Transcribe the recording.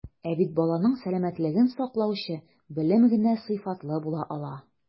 Ә бит баланың сәламәтлеген саклаучы белем генә сыйфатлы була ала.